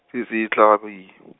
se, sehlabi.